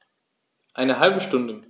Eine halbe Stunde